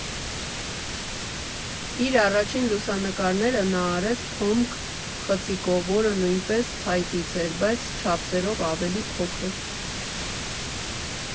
Իր առաջին լուսանկարները նա արեց ՊՕՄԳ խցիկով, որը նույնպես փայտից էր, բայց չափսերով ավելի փոքր։